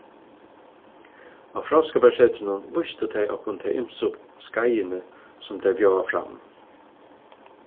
á fróðskaparsetrinum vístu tey okkum tey ymsu skeiðini sum tey bjóða fram